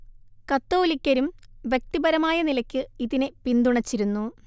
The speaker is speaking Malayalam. കത്തോലിക്കരും വ്യക്തിപരമായ നിലയ്ക്ക് ഇതിനെ പിന്തുണച്ചിരുന്നു